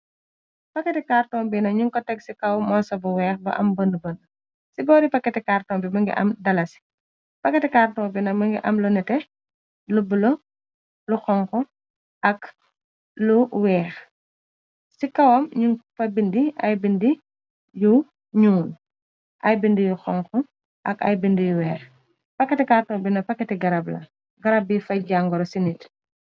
Paketi karton bi na ñuñ ko teg ci kaw moosa bu weex ba am bënd bënd ci boori pakati karton bi bangi am dala si pakati karton binak mëngi am lunete lubbla lu xonku ak lu weex ci kawam ñu fa bindi ay bindi yu ñuul ay bind yu xonku ak ay bindi yu weex pakketi karton binak paketi garab bi fach jangoro ci nit.